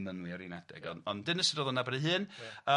ond ond dyna sut o'dd o'n nabod ei hun... Ia...